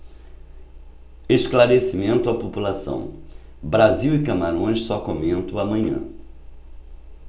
esclarecimento à população brasil e camarões só comento amanhã